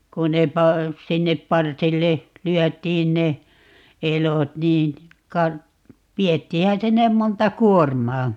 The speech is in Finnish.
kun ne - sinne parsille lyötiin ne elot niin - vietiinhän sinne monta kuormaa